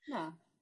Na.